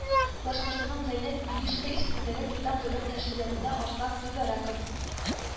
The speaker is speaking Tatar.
Башкортстанның Зәйнәп Биишева исемендәге Китап дәүләт нәшриятында Арслан Мөбәрәков